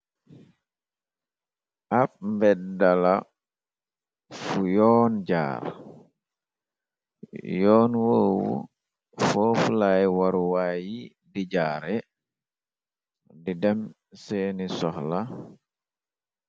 Ab mbed dala fu yoon jaar yoon wowu foofulaay waruwaa yi di jaare di dem seeni soxla.